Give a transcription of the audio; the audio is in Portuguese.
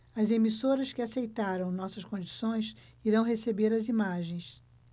as emissoras que aceitaram nossas condições irão receber as imagens